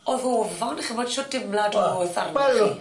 O'dd ofon 'dych ch'mod shwt dimlad o'dd